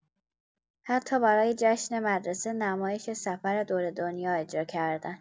حتی برای جشن مدرسه، نمایش سفر دور دنیا اجرا کردن.